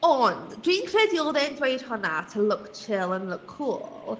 Ond, dwi'n credu oedd e'n dweud hwnna to look chill and look cool.